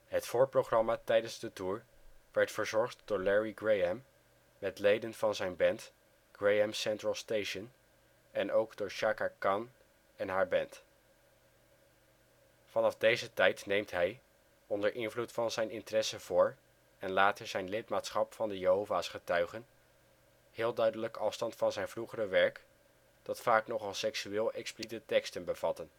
Het voorprogramma tijdens de tour werd verzorgd door Larry Graham met leden van zijn band Graham Central Station en ook door Chaka Khan en haar band. Vanaf deze tijd neemt hij, onder invloed van zijn interesse voor, en later zijn lidmaatschap van de Jehova 's getuigen, heel duidelijk afstand van zijn vroegere werk, dat vaak nogal seksueel expliciete teksten bevatte